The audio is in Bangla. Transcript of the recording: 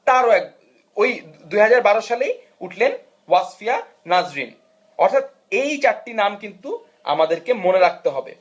তারও এক 2012 সালে উঠলেন ওয়াসফিয়া নাজরীন অর্থাৎ এই চারটি নাম কিন্তু আমাদেরকে মনে রাখতে হবে